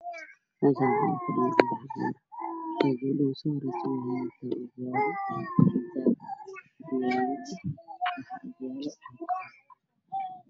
Meeshaan waxaa fadhiyaan maamooyin ilmo yaryar wata